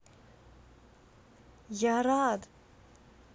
я рад